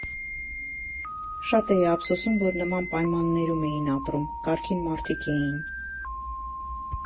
Շատ էի ափսոսում, որ նման պայմաններում էին ապրում՝ կարգին մարդիկ էին։